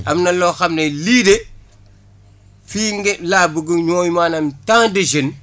am na loo xam ne lii de fii nge laa bugg mooy maanaam tant de jeunes